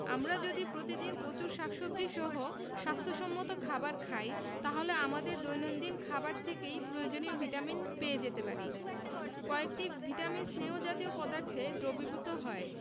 আমরা যদি প্রতিদিন প্রচুর শাকসবজী সহ স্বাস্থ্য সম্মত খাবার খাই তাহলে আমাদের দৈনন্দিন খাবার থেকেই প্রয়োজনীয় ভিটামিন পেয়ে যেতে পারি কয়েকটি ভিটামিন স্নেহ জাতীয় পদার্থে দ্রবীভূত হয়